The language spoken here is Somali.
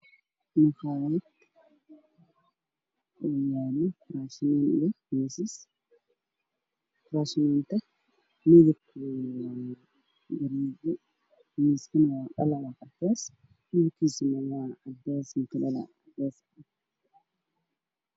Meeshaan waxaa yaalo labo miis mid mideb kiisu yahay madow iyo mid midab kiisu yahay cadaan